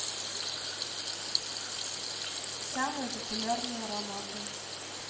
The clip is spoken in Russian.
самые популярные ароматы